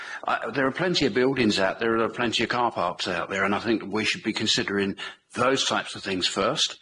There are plenty of buildings out there there are plenty of car parks out there and I think we should be considering those types of things first.